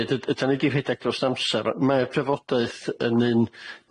ddeud yd- ydan ni 'di rhedeg dros amser ma'r drafodaeth yn un